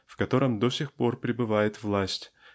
в котором до сих пор пребывает власть